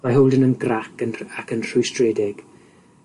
Mae Holden yn grac yn rh- ac yn rhwystredig